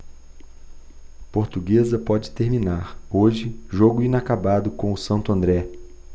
portuguesa pode terminar hoje jogo inacabado com o santo andré